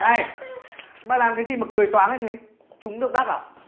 này bà làm cái gì mà cười toáng lên thế chúng độc đắc à